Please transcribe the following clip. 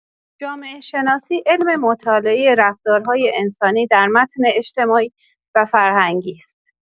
جامعه‌شناسی علم مطالعه رفتارهای انسانی در متن اجتماعی و فرهنگی است.